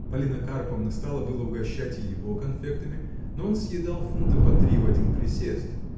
Полина Карповна стала было угощать и его конфектами, но он съедал фунта по три в один присест.